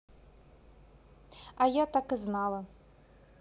а я так и знала